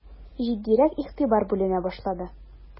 Җитдирәк игътибар бүленә башлады.